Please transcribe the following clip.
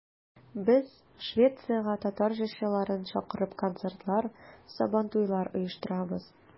Без, Швециягә татар җырчыларын чакырып, концертлар, Сабантуйлар оештырабыз.